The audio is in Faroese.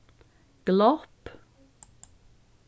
glopp